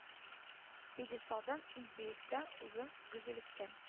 Пьедесталдан иң биектән узын гүзәллеккә